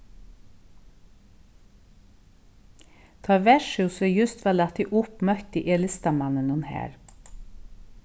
tá vertshúsið júst var latið upp møtti eg listamanninum har